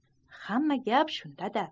hamma gap shunda da